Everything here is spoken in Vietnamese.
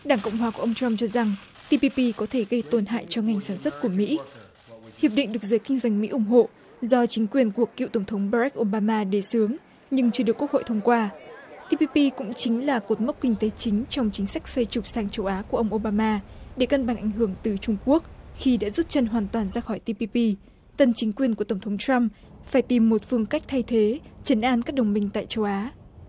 đảng cộng hòa của ông trăm cho rằng ti pi pi có thể gây tổn hại cho ngành sản xuất của mỹ hiệp định được giới kinh doanh mỹ ủng hộ do chính quyền của cựu tổng thống ba rách ô ba ma đề xướng nhưng chưa được quốc hội thông qua ti pi pi cũng chính là cột mốc kinh tế chính trong chính sách xoay trục sang châu á của ông ô ba ma để cân bằng ảnh hưởng từ trung quốc khi đã rút chân hoàn toàn ra khỏi ti pi pi tân chính quyền của tổng thống trăm phải tìm một phương cách thay thế trấn an các đồng minh tại châu á